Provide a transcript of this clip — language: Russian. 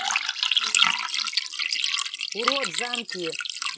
урод замки